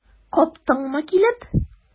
Каптыңмы килеп?